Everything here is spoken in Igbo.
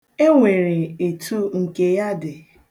Enwere etu nke ya dị.